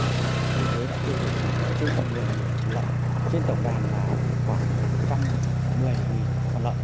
yên thế đã tiêu hủy là trên mười nghìn con lợn trên tổng đàn là khoảng một trăm mười nghìn con lợn